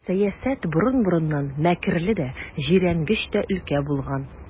Сәясәт борын-борыннан мәкерле дә, җирәнгеч тә өлкә булган.